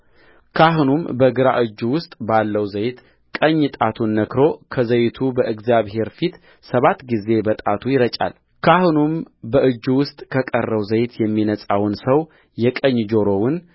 ካህኑም በግራ እጁ ውስጥ ባለው ዘይት ቀኝ ጣቱን ነክሮ ከዘይቱ በእግዚአብሔር ፊት ሰባት ጊዜ በጣቱ ይረጫልካህኑም በእጁ ውስጥ ከቀረው ዘይት የሚነጻውን ሰው የቀኝ ጆሮውን